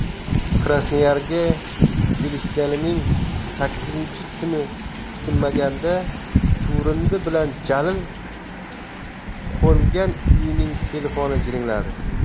krasnoyarga kelishganining sakkizinchi tuni kutilmaganda chuvrindi bilan jalil qo'ngan uyning telefoni jiringladi